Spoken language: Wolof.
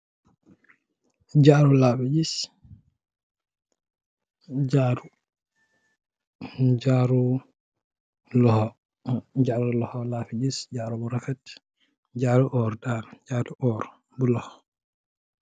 Jaru lafi giss. Jaru, jaru loho, jaru loho laa fi giss, jaru bu rafe. Jaru orr, daal, jaru orr bu loho.